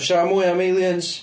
siarad mwy am aliens?